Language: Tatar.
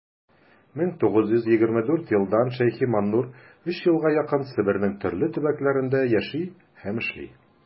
1924 елдан ш.маннур өч елга якын себернең төрле төбәкләрендә яши һәм эшли.